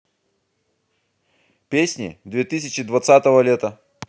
песни две тысячи двадцатого лета